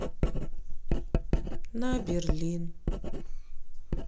на берлин